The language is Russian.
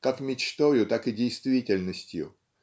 как мечтою, так и действительностью.